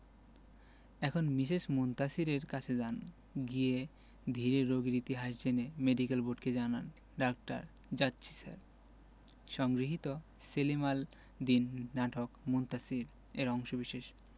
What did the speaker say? এখন মিসেস মুনতাসীরের কাছে যান গিয়ে ধীরে রোগীর ইতিহাস জেনে মেডিকেল বোর্ডকে জানান ডাক্তার যাচ্ছি স্যার সংগৃহীত সেলিম আল দীন নাটক মুনতাসীর এর অংশবিশেষ